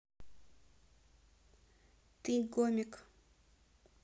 ты гомик